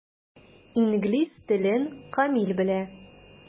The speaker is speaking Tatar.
Инглиз телен камил белә.